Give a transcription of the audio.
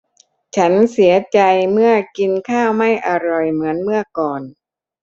ฉันเสียใจเมื่อกินข้าวไม่อร่อยเหมือนเมื่อก่อน